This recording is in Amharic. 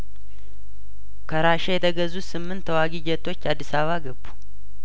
ከራሺያ የተገዙት ስምንት ተዋጊ ጄቶች አዲስ አበባ ገቡ